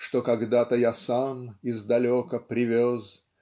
Что когда-то я сам издалека привез